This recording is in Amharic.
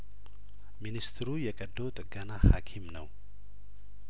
ሚንስትሩ የቀዶ ጥገና ሀኪም ነው